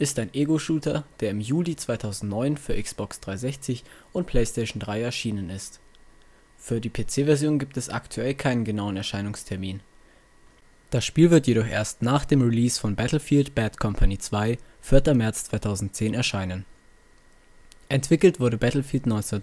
ist ein Ego-Shooter, der im Juli 2009 für Xbox 360 und PlayStation 3 erschienen ist. Für die PC-Version gibt es aktuell keinen genauen Erscheinungstermin, das Spiel wird jedoch erst nach dem Release von Battlefield: Bad Company 2 (4. März 2010) erscheinen. Entwickelt wurde Battlefield 1943